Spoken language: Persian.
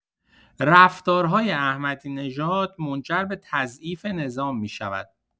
رفتارهای احمدی‌نژاد منجر به تضعیف نظام می‌شود.